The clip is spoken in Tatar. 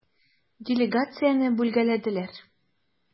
Делегацияне бүлгәләделәр.